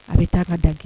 A bɛ taa ka dan kɛ